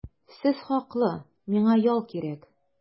Сез хаклы, миңа ял кирәк.